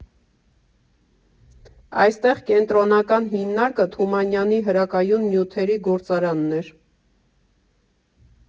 Այստեղ կենտրոնական հիմնարկը Թումանյանի հրակայուն նյութերի գործարանն էր։